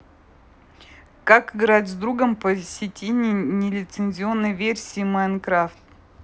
как играть с другом по сетине нелицензионной версии minecraft